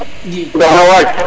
Mbasa Wadie